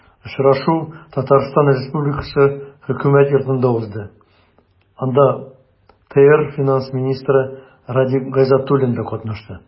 Очрашу Татарстан Республикасы Хөкүмәт Йортында узды, анда ТР финанс министры Радик Гайзатуллин да катнашты.